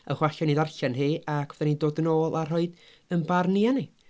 Ewch allan i ddarllen hi ac fydda ni'n dod yn ôl a rhoi ein barn ni arni.